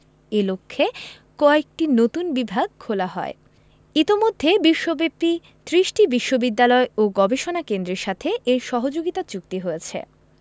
এ লক্ষ্যে কয়েকটি নতুন বিভাগ খোলা হয় ইতোমধ্যে বিশ্বব্যাপী ত্রিশটি বিশ্ববিদ্যালয় ও গবেষণা কেন্দ্রের সাথে এর সহযোগিতা চুক্তি হয়েছে